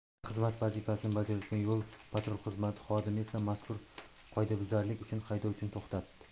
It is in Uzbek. hududda xizmat vazifasini bajarayotgan yol patrul xizmati xodimi esa mazkur qoidabuzarlik uchun haydovchini to'xtatadi